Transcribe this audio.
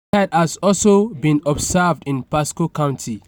Red Tide has also been observed in Pasco County.